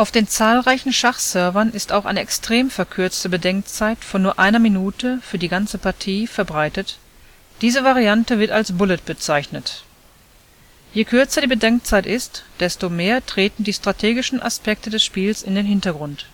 den zahlreichen Schachservern ist auch eine extrem verkürzte Bedenkzeit von nur einer Minute (für die ganze Partie) verbreitet, diese Variante wird als Bullet bezeichnet. Je kürzer die Bedenkzeit ist, desto mehr treten die strategischen Aspekte des Spiels in den Hintergrund